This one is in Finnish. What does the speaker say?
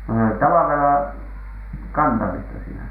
no oli talvella kantamista siinä